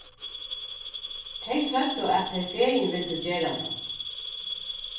tey søgdu at tey fegin vildu gera tað